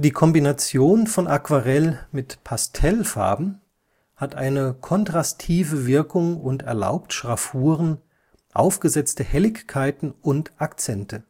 Kombination von Aquarell mit Pastellfarben hat eine kontrastive Wirkung und erlaubt Schraffuren, aufgesetzte Helligkeiten und Akzente